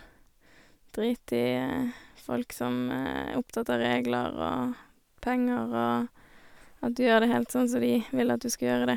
Drit i folk som er opptatt av regler og penger og at du gjør det helt sånn som de vil at du skal gjøre det.